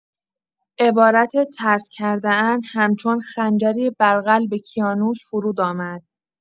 عبارت «طرد کرده‌اند» همچون خنجری بر قلب کیانوش فرود آمد.